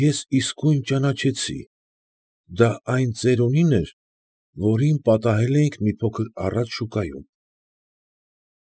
Ես իսկույն ճանաչեցի ֊ դա այն ծերունին էր, որին պատահել էինք մի փոքր առաջ շուկայում։